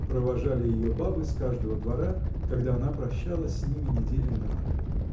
— провожали ее бабы с каждого двора, когда она прощалась с ними недели на две.